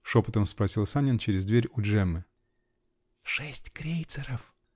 -- шепотом спросил Санин через дверь у Джеммы. -- Шесть крейсеров!